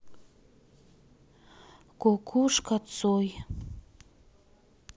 кукушка цой